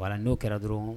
Ban n'o kɛra dɔrɔn